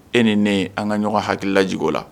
E ni ne an ka ɲɔgɔn hakilila j o la